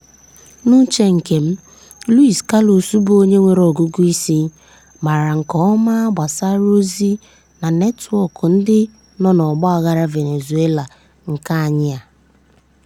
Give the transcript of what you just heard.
N'uche nke m, Luis Carlos bụ onye nwere ọgụgụ isi, maara nke ọma gbasara ozi na netwọkụ ndị dị n'ọgba aghara Venezuela nke anyị a.